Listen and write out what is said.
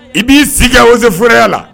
I b'i si kɛ o fya la